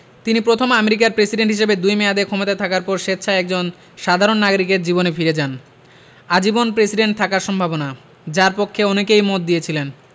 তিনি প্রথম আমেরিকার প্রেসিডেন্ট হিসেবে দুই মেয়াদে ক্ষমতায় থাকার পর স্বেচ্ছায় একজন সাধারণ নাগরিকের জীবনে ফিরে যান আজীবন প্রেসিডেন্ট থাকার সম্ভাবনা যার পক্ষে অনেকেই মত দিয়েছিলেন